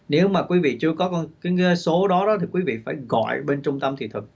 nếu mà quý vị chưa có con cái số đó đó thì quý vị phải gọi bên trung tâm thị thực